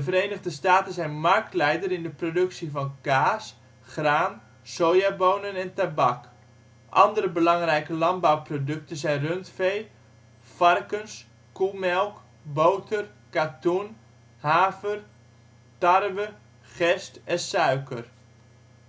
Verenigde Staten zijn marktleider in de productie van kaas, graan, sojabonen en tabak. Andere belangrijke landbouwproducten zijn rundvee, varkens, koemelk, boter, katoen, haver, tarwe, gerst en suiker;